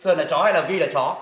sơn là chó hay là vi là chó